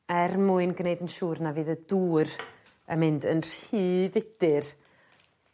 er mwyn gneud yn siŵr na fydd y dŵr yn mynd yn rhy fudur.